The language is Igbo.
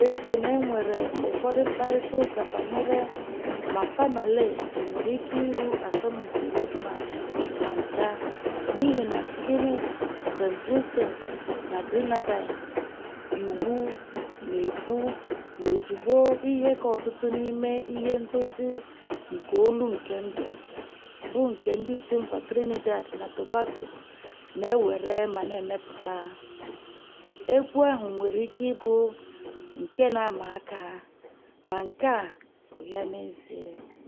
Ọ bụ ezie na e nwere ụfọdụ mkparịta ụka banyere ma "Famalay" e nwere ike iru asọmpi Road March ma ncha n'ihi na Skinny si St. Vincent na Grenadines, iwu na-ekwu na ozugbo "ihe ka ọtụtụ n'ime ihe ngosi nke olu nke ndu" bụ "nke ndị si mba Trinidad na Tobago na-ewere ma na-emepụta", egwu ahụ nwere ike ịbụ nke na-ama aka — ma nke a bụ ya n'ezie.